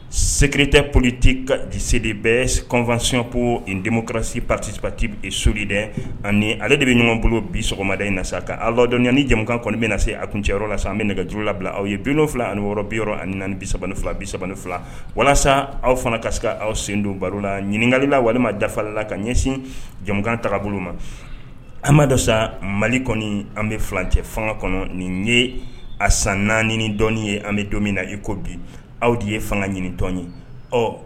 Sekiri tɛ polite ka dise de bɛ kɔnfayko nin denmusokarasi patisipti soli dɛ ani ale de bɛ ɲɔgɔn bolo bi sɔgɔmada in na' ladɔyaani jamu kɔnɔ bɛna na se a kun cɛyɔrɔ la sisan an bɛ nɛgɛ juruuru la bila aw ye bido fila ani yɔrɔ bi ani naani bi fila bisa fila walasa aw fana ka aw sen don baro la ɲininkakalila la walima dafala ka ɲɛsin jamukan taga bolo ma amadu dɔ sa mali kɔni an bɛ filan cɛ fanga kɔnɔ nin ye a san naani dɔnniɔni ye an bɛ don min na i ko bi aw de ye fanga ɲinitɔn ye ɔ